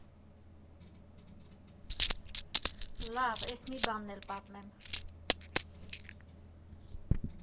Լավ, էս մի բանն էլ պատմեմ։